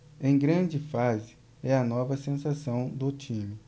em grande fase é a nova sensação do time